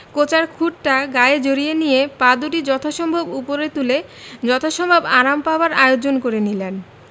কোঁচার খুঁটটা গায়ে জড়িয়ে নিয়ে পা দুটি যথাসম্ভব উপরে তুলে যথাসম্ভব আরাম পাবার আয়োজন করে নিলেন